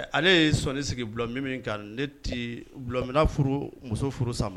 Ale ye soɔni sigi gulɔmi min kan ni tɛ gulɔmina furu muso furu